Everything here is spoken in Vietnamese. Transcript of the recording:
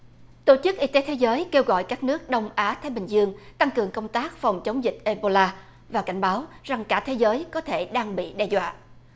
tổ chức y tế thế giới kêu gọi các nước đông á thái bình dương tăng cường công tác phòng chống dịch ê bô la và cảnh báo rằng cả thế giới có thể đang bị đe dọa